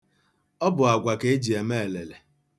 Ọ bụ agwa ka e ji eme elele.